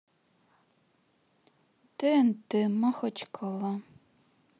тнт махачкала